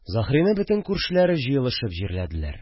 Заһрины бөтен күршеләре җыелышып җирләделәр